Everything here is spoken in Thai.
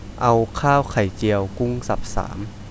เอาข้าวไข่เจียวกุ้งสับสาม